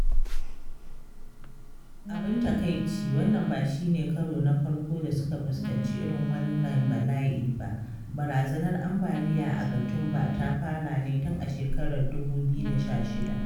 Abin takaici, wannan ba shi ne karo na farko da suka fuskanci irin wannan bala’i ba: barazanar ambaliya a Gatumba ta fara ne tun a 2016.